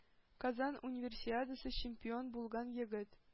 Казан Универсиадасы чемпионы булган егет!